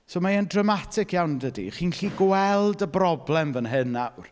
So, mae e'n dramatic iawn, yn dydi? Chi'n gallu gweld y broblem fan hyn nawr.